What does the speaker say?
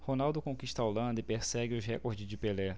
ronaldo conquista a holanda e persegue os recordes de pelé